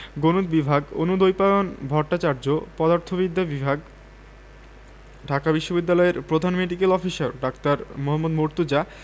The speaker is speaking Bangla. গণিত বিভাগ এবং অনুদ্বৈপায়ন ভট্টাচার্য পদার্থবিদ্যা বিভাগ ঢাকা বিশ্ববিদ্যালয়ের প্রধান মেডিক্যাল অফিসার ডা. মোহাম্মদ মর্তুজা